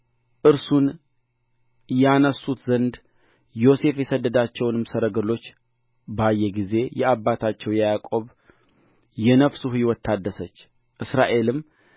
እርሱን ያነሡት ዘንድ ዮሴፍ የሰደዳቸውን ሰረገሎች ባየ ጊዜ የአባታቸው የያዕቆብ የነፍሱ ሕይወት ታደሰች እስራኤልም